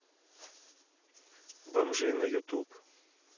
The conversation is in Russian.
бомжи на ютуб